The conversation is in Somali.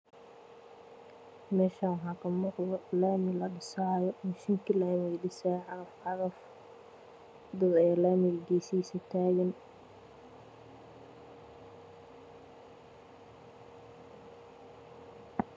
Meeshaani waxaa ka muuqda laami la dhisaayo cagagcagaf laamiga geeska taagan